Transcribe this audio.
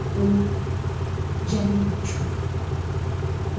u jamila uchun